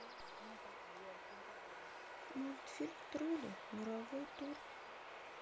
мультфильм тролли мировой тур